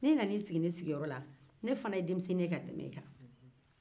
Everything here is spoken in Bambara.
n'i nana i sigi ne sigiyɔrɔ la ne fana ye denmisɛnnin ka tɛme e kan